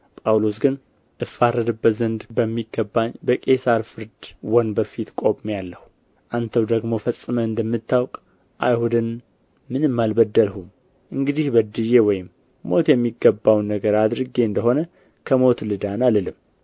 ጳውሎስ ግን እፋረድበት ዘንድ በሚገባኝ በቄሳር ፍርድ ወንበር ፊት ቆሜአለሁ አንተው ደግሞ ፈጽመህ እንደምታውቅ አይሁድን ምንም አልበደልሁም እንግዲህ በድዬ ወይም ሞት የሚገባውን ነገር አድርጌ እንደ ሆነ ከሞት ልዳን አልልም